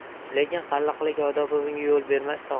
lekin qalliqlik odobi bunga yo'l bermas